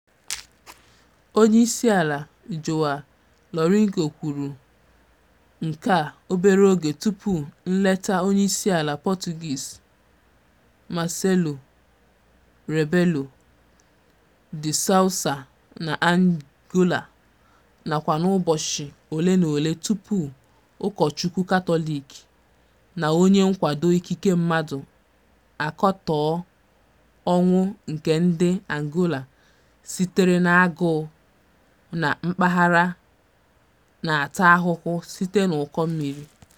Onyeisiala João Lourenço kwuru nke a obere oge tupu nleta Onyeisiala Portuguese Marcelo Rebelo de Sousa n'Angola, nakwa n'ụbọchị ole na ole tupu Ụkọchukwu Katọlik na onye nkwado ikike mmadụ akatọọ ọnwụ nke ndị Angola sitere n'agụụ na mpaghara na-ata ahụhụ site n'ụkọmmiri.